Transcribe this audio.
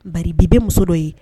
Ba bi bɛ muso dɔ ye